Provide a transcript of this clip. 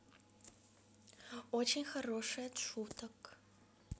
очень хороший от шуток